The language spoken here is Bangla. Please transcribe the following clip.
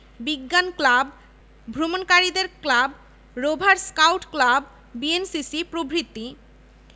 বিজ্ঞান ক্লাব ভ্রমণকারীদের club rover scout club BNCC প্রভৃতি